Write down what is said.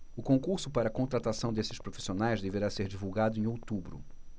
o concurso para contratação desses profissionais deverá ser divulgado em outubro